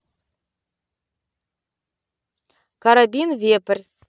карабин вепрь